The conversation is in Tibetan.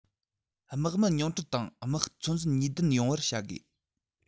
དམག མི ཉུང འཕྲི དང དམག ཤུགས ཚོད འཛིན ནུས ལྡན ཡོང བར བྱ དགོས